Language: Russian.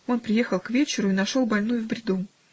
Он приехал к вечеру и нашел больную в бреду.